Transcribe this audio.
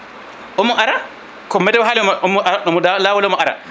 omo ara ko météo haali omo lawol omo ara